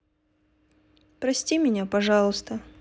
прости меня пожалуйста